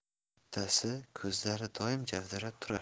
bittasi ko'zlari doim javdirab turadi